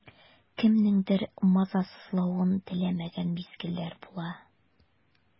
Кемнеңдер мазасызлавын теләмәгән мизгелләр була.